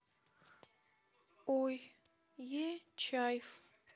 ой е чайф